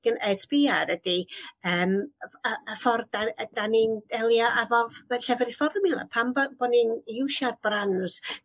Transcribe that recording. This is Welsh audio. gyn- yy sbïa ar ydi yym y y ffordd 'dan yy 'dan ni'n delio efo y fformiwla. Pam bo' bo' ni'n iwsia'r brands